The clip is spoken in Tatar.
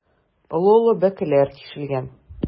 Олы-олы бәкеләр тишелгән.